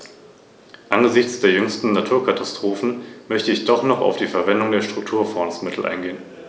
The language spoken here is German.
Frau Präsidentin, soeben haben wir über einen Bericht mit dem Titel "Emissionsnormen für leichte Nutzfahrzeuge" abgestimmt.